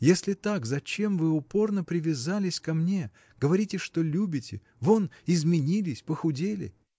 Если так, зачем вы упорно привязались ко мне, говорите, что любите, — вон изменились, похудели?.